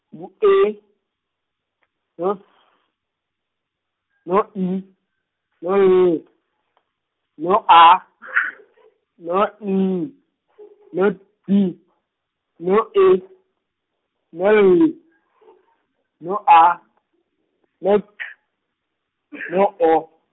ngu E, no S, no I, no Y , no A , no I , no D , no E, no Y, no A, no K , no O.